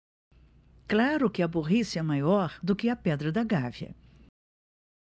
claro que a burrice é maior do que a pedra da gávea